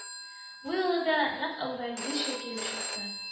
Бу юлы да нәкъ әүвәлгечә килеп чыкты